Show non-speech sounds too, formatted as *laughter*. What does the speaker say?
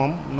*hesitation* *hesitation*